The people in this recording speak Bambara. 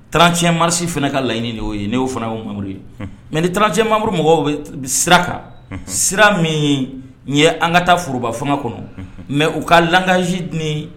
Trancɲɛ maririsi fana ka laɲini de'o ye n'o fana yemuru ye mɛ ni tranc mamuru mɔgɔw sira kan sira min n ye an ka taa foroba fanga kɔnɔ mɛ u ka lakasi ni